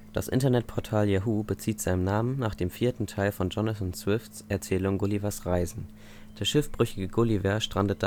Das Internetportal Yahoo bezieht seinen Namen nach dem vierten Teil von Jonathan Swifts Erzählung Gullivers Reisen. Der schiffbrüchige Gulliver strandet